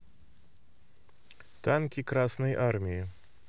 танки красной армии